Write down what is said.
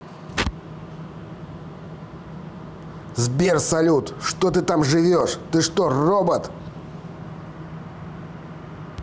сбер салют что ты там живешь ты что робот